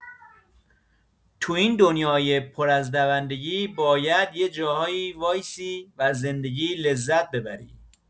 تو این دنیای پر از دوندگی باید یه جاهایی وایسی و از زندگی لذت ببری.